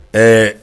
Ɛɛ